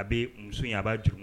A bɛ muso in a b'a juru kɔnɔ